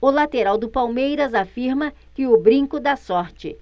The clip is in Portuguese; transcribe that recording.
o lateral do palmeiras afirma que o brinco dá sorte